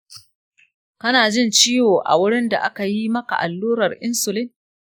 kana jin ciwo a wurin da akayi maka allurar insulin?